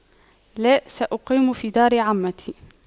لا سأقيم في دار عمتي